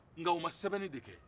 nka u ma sɛbɛnni de kɛ